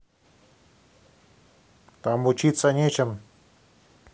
там учиться нечем